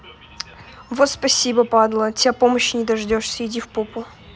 вот спасибо падла а тебя помощи не дождешься иди в попу